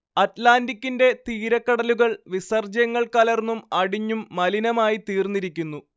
അറ്റ്‌ലാന്റിക്കിന്റെ തീരക്കടലുകൾ വിസർജ്യങ്ങൾ കലർന്നും അടിഞ്ഞും മലിനമായിത്തീർന്നിരിക്കുന്നു